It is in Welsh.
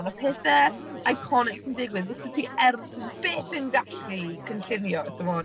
Mae 'na pethe iconic sy'n digwydd byset ti er- byth yn gallu cynllunio, timod.